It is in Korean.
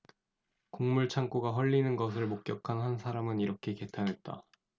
곡물 창고가 헐리는 것을 목격한 한 사람은 이렇게 개탄했다